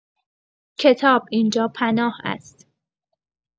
کتاب این‌جا پناه است؛